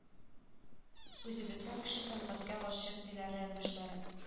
Үзебезнең кеше сәнгатькә гашыйк диләр райондашлары